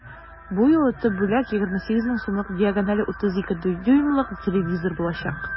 Бу юлы төп бүләк 28 мең сумлык диагонале 32 дюймлык телевизор булачак.